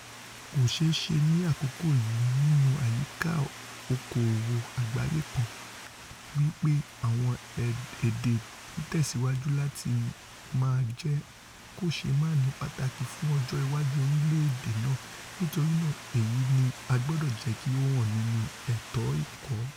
Kò ṣ̵eé ṣẹ́ ní àkókò yìí, nínú àyíká oko-òwò àgbáyé kan, wí pé àwọn èdè ńtẹ̀síwájú láti máa jẹ́ kòṣeémáàní pàtàkí fún ọjọ́ iwájú orílẹ̀-èdè náà, nítorínáà èyí ní a gbọ̀dọ̀ jẹ́kí ó hàn nínú ètò ẹ̀kọ́.